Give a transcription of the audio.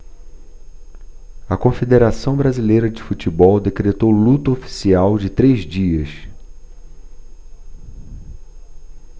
a confederação brasileira de futebol decretou luto oficial de três dias